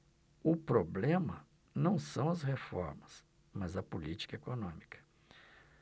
o problema não são as reformas mas a política econômica